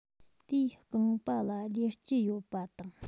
དེའི རྐང པ ལ སྡེར སྐྱི ཡོད པ དང